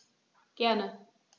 Gerne.